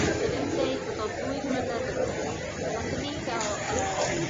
So swn i'n deud bod o'n dwy flynedd yn ôl, nothon ni ga'l yym